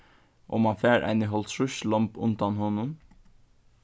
og mann fær eini hálvtrýss lomb undan honum